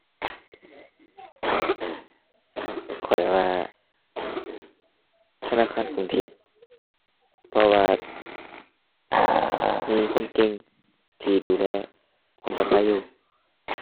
ข้อยว่าธนาคารกรุงเทพ เพราะว่ามีคนเก่งที่ดูแลความปลอดภัยอยู่